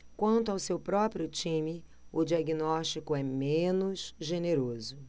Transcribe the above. quanto ao seu próprio time o diagnóstico é menos generoso